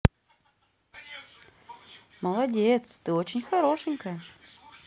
молодец ты очень хорошенькая